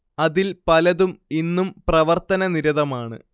അതിൽ പലതും ഇന്നും പ്രവർത്തനനിരതമാണ്